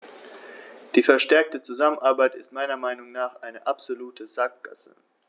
Die verstärkte Zusammenarbeit ist meiner Meinung nach eine absolute Sackgasse.